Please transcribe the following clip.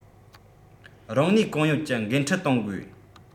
རང ནུས གང ཡོད ཀྱི འགན འཁྲི གཏོང དགོས